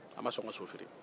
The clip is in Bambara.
a ma sɔn ka so feere